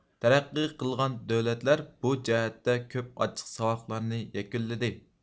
تەرەققىي قىلغان دۆلەتلەر بۇ جەھەتتە كۆپ ئاچچىق ساۋاقلارنى يەكۈنلىدى